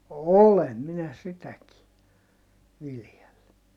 olen minä sitäkin viljellyt